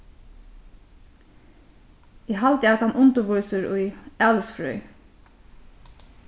eg haldi at hann undirvísir í alisfrøði